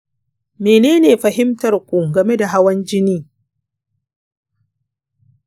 menene fahimtar ku game da hawan jini?